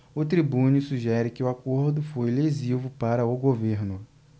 o tribune sugere que o acordo foi lesivo para o governo